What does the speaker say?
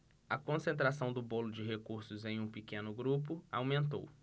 a concentração do bolo de recursos em um pequeno grupo aumentou